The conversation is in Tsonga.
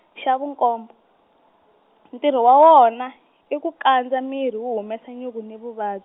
xa vu nkombo, ntirho wa wona, i ku kandza miri wu humesa nyuku ni vuvad-.